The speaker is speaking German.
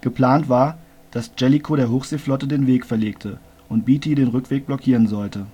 Geplant war, dass Jellicoe der Hochseeflotte den Weg verlegte und Beatty den Rückweg blockieren sollte